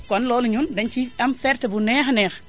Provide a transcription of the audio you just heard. kon loolu ñun dañu ciy am fierté bu neex a neex